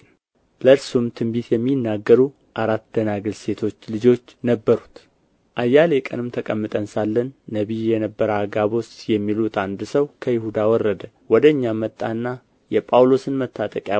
ለእርሱም ትንቢት የሚናገሩ አራት ደናግል ሴቶች ልጆች ነበሩት አያሌ ቀንም ተቀምጠን ሳለን ነቢይ የነበረ አጋቦስ የሚሉት አንድ ሰው ከይሁዳ ወረደ ወደ እኛም መጣና የጳውሎስን መታጠቂያ